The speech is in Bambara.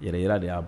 Yɛrɛ yira de a